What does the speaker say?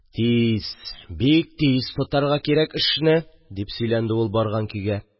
– тиз, бик тиз тотарга кирәк эшне!.. – дип сөйләнде ул барган көйгә.